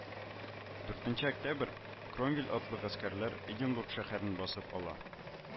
Дүртенче октябрь кромвель атлы гаскәрләр эдинбург шәһәрен басып ала